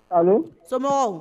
A sama